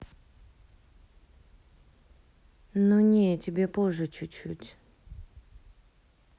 ну не тебе попозже чуть чуть